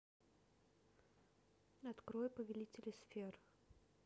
открой повелители сфер